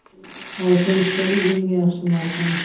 osoyishtalik eng yaxshi malham